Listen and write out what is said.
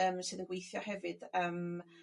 yrm sydd yn gweithio hefyd yrm